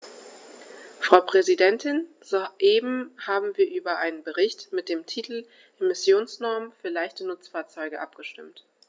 Frau Präsidentin, soeben haben wir über einen Bericht mit dem Titel "Emissionsnormen für leichte Nutzfahrzeuge" abgestimmt.